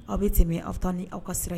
Aw bɛ tɛmɛ aw taa ni aw ka sira